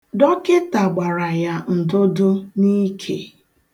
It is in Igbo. Dọkịta gbara ya ndụdụ n'ike.